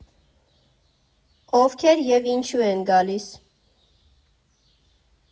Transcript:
Ովքեր և ինչու են գալիս։